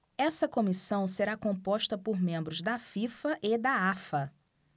essa comissão será composta por membros da fifa e da afa